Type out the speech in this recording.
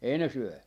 ei ne syö